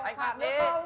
anh phạt đi